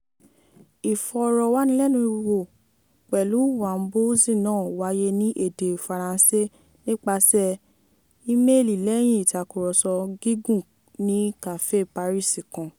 Ìfọ̀rọ̀wánilẹ́nuwò pẹ̀lú Ouabonzi náà wáyé ní èdè Faransé nípasẹ̀ ímeèlì lẹ́yìn ìtàkúrọ̀sọ̀ gígún ní kàféè Paris kan.